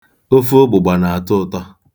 Ofe ụgbụgba na-atọ ụtọ.